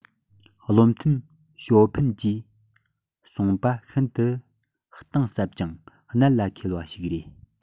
བློ མཐུན ཞའོ ཕིན གྱིས གསུངས པ ཤིན ཏུ གཏིང ཟབ ཅིང གནད ལ འཁེལ བ ཞིག རེད